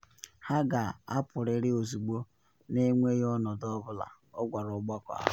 “Ha ga-apụrịrị ozugbo na enweghị ọnọdụ ọ bụla,” ọ gwara ọgbakọ ahụ.